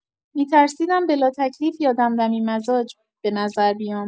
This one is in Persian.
می‌ترسیدم بلاتکلیف یا دمدمی‌مزاج به نظر بیام.